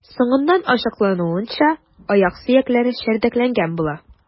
Соңыннан ачыклануынча, аяк сөякләре чәрдәкләнгән була.